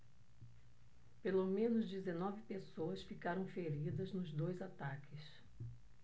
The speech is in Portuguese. pelo menos dezenove pessoas ficaram feridas nos dois ataques